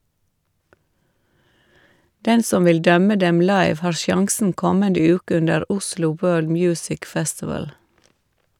Den som vil dømme dem live, har sjansen kommende uke under Oslo World Music Festival.